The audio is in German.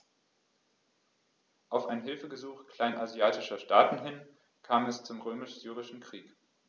Auf ein Hilfegesuch kleinasiatischer Staaten hin kam es zum Römisch-Syrischen Krieg.